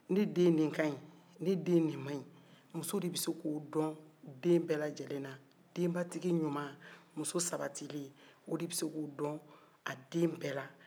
ne den nin kaɲi ne den nin maɲi muso de bɛ se k'o don den bɛɛ lajɛlen na denbatigi ɲuma muso sabatilen o de bɛ se k'o don a den bɛɛ la